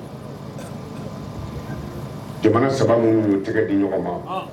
Jamana saba minnu tɛgɛ di ɲɔgɔn ma